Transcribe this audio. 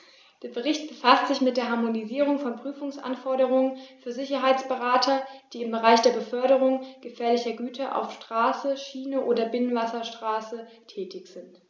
Der Bericht befasst sich mit der Harmonisierung von Prüfungsanforderungen für Sicherheitsberater, die im Bereich der Beförderung gefährlicher Güter auf Straße, Schiene oder Binnenwasserstraße tätig sind.